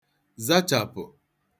zachàpụ̀